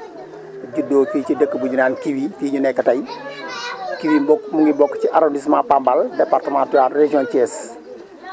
juddoo fii ci dëkk bu ñuy naan Kiwi fii ñu nekk tey Kiwi mbok mu ngi bokk ci arrondissement Pambal département tivaouane région Thiès